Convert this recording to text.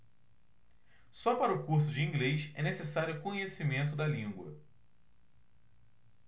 só para o curso de inglês é necessário conhecimento da língua